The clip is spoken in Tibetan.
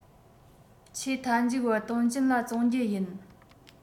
ཆེས མཐའ མཇུག བར ཏུང ཅིན ལ བཙོང རྒྱུ ཡིན